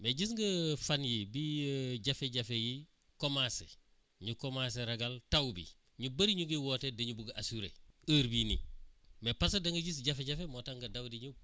mais gis nga fan yii bi jafe-jafe yi commencer énu commencer ragal taw bi ñu bëri ñu ngi woote dañu bugg assurer heure bii nii mais parce que da nga gis jafe-jafe moo tax nga daw di ñëw